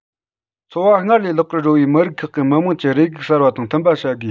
འཚོ བ སྔར ལས ལེགས པར རོལ བའི མི རིགས ཁག གི མི དམངས ཀྱི རེ སྒུག གསར པ དང མཐུན པ བྱ དགོས